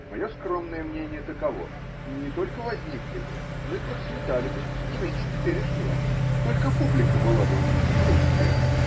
Мое скромное мнение таково: не только возникли бы, но и процветали бы не меньше теперешнего, только публика была бы в них – русская.